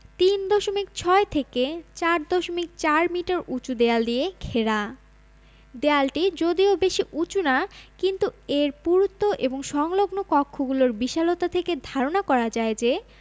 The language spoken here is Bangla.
৩ দশমিক ৬ থেকে ৪ দশমিক ৪ মিটার উঁচু দেয়াল দিয়ে ঘেরা দেয়ালটি যদিও বেশি উঁচু না কিন্তু এর পুরুত্ব এবং সংলগ কক্ষগুলোর বিশালতা থেকে ধারণা করা যায় যে